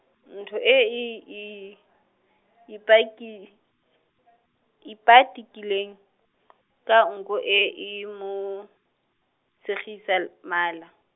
Ntho e e ipaki-, ipatikileng , ka nko e e mo segisa l- mala.